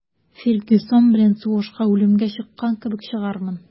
«фергюсон белән сугышка үлемгә чыккан кебек чыгармын»